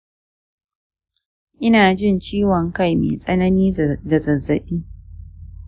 ina jin ciwon kai mai tsanani da zazzaɓi